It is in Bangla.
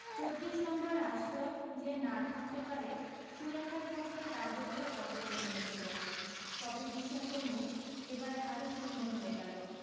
চোত্রিশ নম্বর আশ্রয় যে না থাকতে পারে সুলেখার পক্ষে তা বোধ হয় অকল্পনীয় ছিল পপি বিশ্বাসের মুখ এবার আরও শুকনো হয়ে গেলো